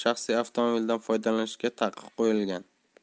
shaxsiy avtomobildan foydalanishga taqiq qo'yilgan